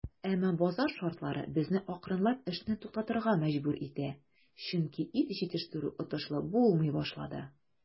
Әмма базар шартлары безне акрынлап эшне туктатырга мәҗбүр итә, чөнки ит җитештерү отышлы булмый башлады.